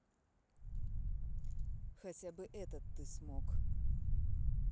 хотя бы этот ты смог